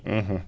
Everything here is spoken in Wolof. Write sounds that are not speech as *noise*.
*hesitation* *hesitation*